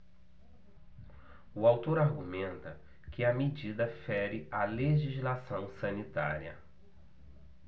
o autor argumenta que a medida fere a legislação sanitária